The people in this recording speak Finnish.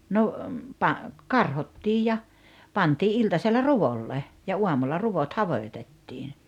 no - karhottiin ja pantiin iltasella ruolle ja aamulla ruot hajotettiin